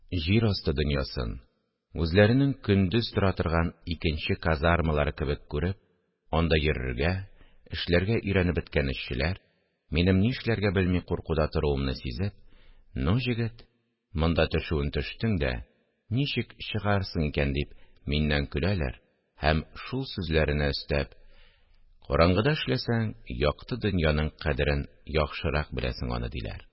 Җир асты дөньясын, үзләренең көндез тора торган икенче казармалары кебек күреп, анда йөрергә, эшләргә өйрәнеп беткән эшчеләр, минем нишләргә белми куркуда торуымны сизеп: – Ну, җегет, монда төшүен төштең дә, ничек чыгарсың икән? – дип, миннән көләләр һәм, шул сүзләренә өстәп: – Караңгыда эшләсәң, якты дөньяның кадерен яхшырак беләсең аны! –диләр